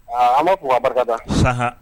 Aa an b'a fo ka barika da